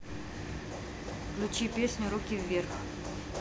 включи песню руки вверх